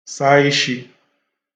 sa ishi